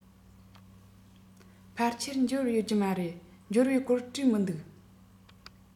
ཕལ ཆེར འབྱོར ཡོད ཀྱི མ རེད འབྱོར བའི སྐོར བྲིས མི འདུག